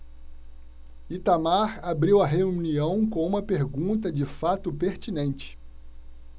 itamar abriu a reunião com uma pergunta de fato pertinente